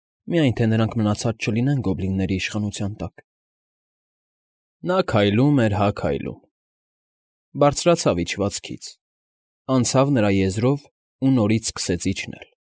Միայն թե նրանք մնացած չլինեն գոբլինների իշխանության տակ… Նա քայլում էր հա քայլում, բարձրացավ իջվածքից, անցավ նրա եզրով ու ներից սկսեց իջնել։